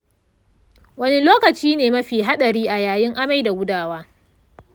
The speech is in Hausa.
wane lokaci ne mafi haɗari a yayin amai da gudawa?